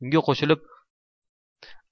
unga qo'shilib